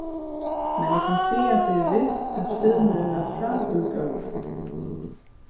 men eg kann siga fyri vist at filmurin var framúr góður